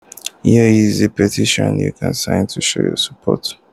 Here is a petition you can sign to show your support.